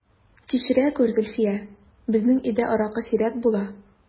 Кичерә күр, Зөлфия, безнең өйдә аракы сирәк була...